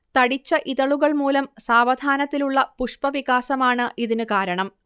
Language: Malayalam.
തടിച്ച ഇതളുകൾ മൂലം സാവധാനത്തിലുള്ള പുഷ്പവികാസമാണ് ഇതിന് കാരണം